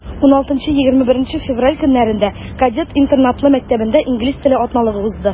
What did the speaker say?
16-21 февраль көннәрендә кадет интернатлы мәктәбендә инглиз теле атналыгы узды.